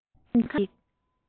སེམས ཁམས ཀྱི